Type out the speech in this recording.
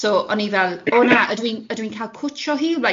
So o'n i fel, o na! Ydw i'n, ydw i'n cael cwtshio hi,